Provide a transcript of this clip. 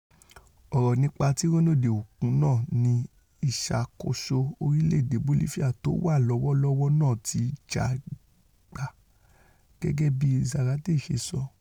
“Ọ̀rọ̀ nípa àtirọ́nàde òkun náà ni ìṣàkóso orílẹ̀-èdè Bolifia tówà lọ́wọ́lọ́wọ́ náà ti já gbà,'' gẹgẹ bíi Zárate ṣe sọ.